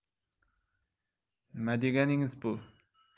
nima deganingiz bu